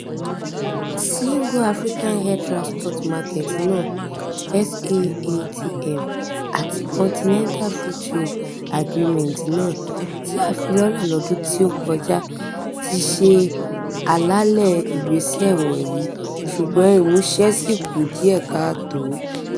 Single African Air Transport market náà (SAATM), àti Continental Free Trade Agreement náà, tí a fi lọ́lẹ̀ lọ́dún tí ó kọjá, ti se àlàálẹ̀ ìgbésẹ̀ wọ̀nyí, ṣùgbọ́n ìmúṣẹ ṣì kù díẹ̀ káàtó.